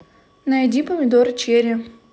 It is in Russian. найди помидоры черри